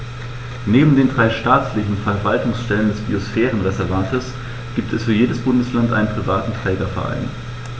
Neben den drei staatlichen Verwaltungsstellen des Biosphärenreservates gibt es für jedes Bundesland einen privaten Trägerverein.